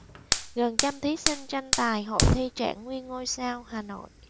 gần trăm thí sinh tranh tài hội thi trạng nguyên ngôi sao hà nội